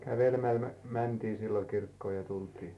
kävelemällä mentiin silloin kirkkoon ja tultiin